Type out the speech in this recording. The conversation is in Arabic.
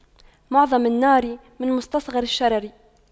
معظم النار من مستصغر الشرر